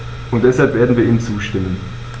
Und deshalb werden wir ihm zustimmen.